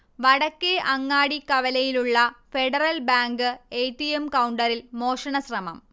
വടക്കേ അങ്ങാടി കവലയിലുള്ള federal bank A. T. M കൗണ്ടറിൽ മോഷണശ്രമം